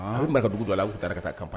U bɛna ka dugu don a' bɛ taaɛrɛ ka taa ka pan